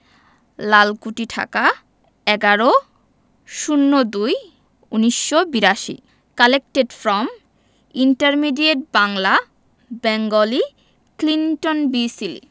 Lalkuthi Dhaka ১১ ০২ ১৯৮২ collected from intermediate Bangla Bengali Clinton B Seely